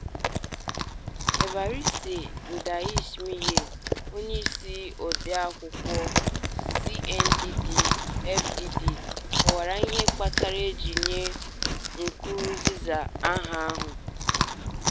Evariste Ndayishimiye, onyeisi odeakwụkwọ CNDD-FDD kọwara ihe kpatara e jiri nye Nkurunziza aha ahụ: